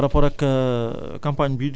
kooku tey jii boo ko doon conseillé